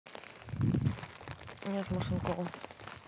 нет машинкова